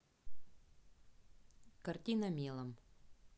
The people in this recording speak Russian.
картина мелом